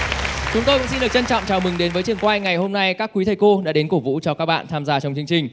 chúng tôi cũng xin được trân trọng chào mừng đến với trường quay ngày hôm nay các quý thầy cô đã đến cổ vũ cho các bạn tham gia trong chương trình